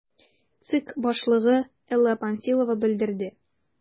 ЦИК башлыгы Элла Памфилова белдерде: